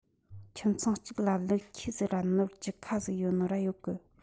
ཁྱིམ ཚང གཅིག ག ལུག ཁྱུ ཟིག ར ནོར བཅུ ཁ ཟིག ཡོད ནོ ར ཡོད གི